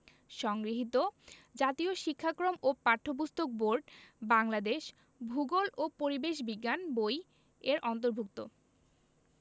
সংগৃহীত জাতীয় শিক্ষাক্রম ও পাঠ্যপুস্তক বোর্ড বাংলাদেশ ভূগোল ও পরিবেশ বিজ্ঞান বই এর অন্তর্ভুক্ত